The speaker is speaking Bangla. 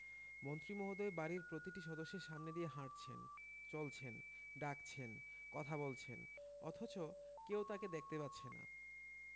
মন্ত্রী মহোদয় বাড়ির প্রতিটি সদস্যের সামনে দিয়ে হাঁটছেন চলছেন ডাকছেন কথা বলছেন অথচ কেউ তাঁকে দেখতে পাচ্ছে না